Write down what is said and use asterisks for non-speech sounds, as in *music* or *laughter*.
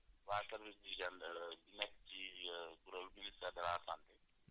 *hesitation* waa service d' hygène *hesitation* nekk ci *hesitation* kuréel ministère de la santé